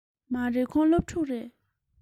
མ རེད ཁོང སློབ ཕྲུག རེད